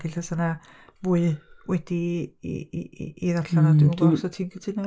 alla 'sa 'na fwy wedi 'i i i i ddarllen o. Dwi'm yn 'bo os wyt ti'n cytuno efo fi?